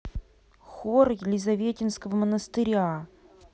хор елизаветинского монастыря